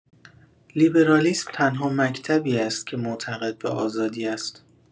لیبرالیسم تنها مکتبی است که معتقد به آزادی است.